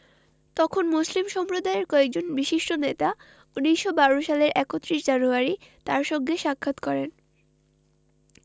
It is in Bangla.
তখন মুসলিম সম্প্রদায়ের কয়েকজন বিশিষ্ট নেতা ১৯১২ সালের ৩১ জানুয়ারি তাঁর সঙ্গে সাক্ষাৎ করেন